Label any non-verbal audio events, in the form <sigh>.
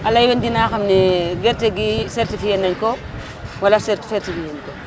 *** dinaa xam ne <hesitation> gerte gii certifié nañ ko <noise> wala certifié wuñ ko